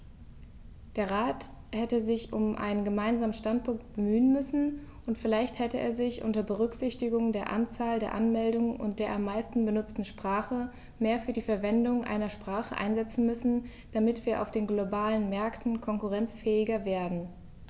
Der Rat hätte sich um einen gemeinsamen Standpunkt bemühen müssen, und vielleicht hätte er sich, unter Berücksichtigung der Anzahl der Anmeldungen und der am meisten benutzten Sprache, mehr für die Verwendung einer Sprache einsetzen müssen, damit wir auf den globalen Märkten konkurrenzfähiger werden.